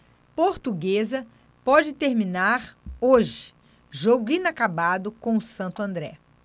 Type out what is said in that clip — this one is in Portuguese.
portuguesa pode terminar hoje jogo inacabado com o santo andré